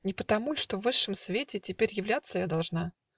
Не потому ль, что в высшем свете Теперь являться я должна